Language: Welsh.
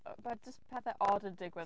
Be, jyst pethe od yn digwydd?